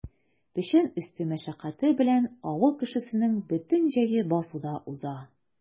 Печән өсте мәшәкате белән авыл кешесенең бөтен җәе басуда уза.